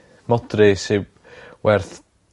modry sy werth